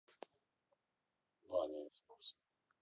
баня из бруса